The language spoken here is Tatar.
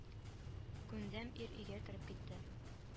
Күндәм ир өйгә кереп китте